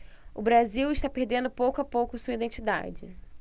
o brasil está perdendo pouco a pouco a sua identidade